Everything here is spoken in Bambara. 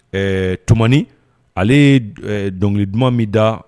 Ɛɛ tomani ale dɔnkili duman min da